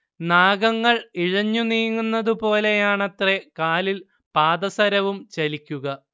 നാഗങ്ങൾ ഇഴഞ്ഞുനീങ്ങുന്നത് പോലെയാണത്രെ കാലിൽ പാദസരവും ചലിക്കുക